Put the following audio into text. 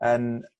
yn